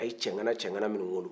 a ye cɛŋana-cɛŋana minnu wolo